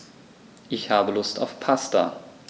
Ich habe Lust auf Pasta.